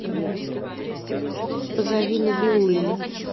позови набиуллину